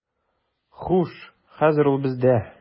Хуш, хәзер ул бездә.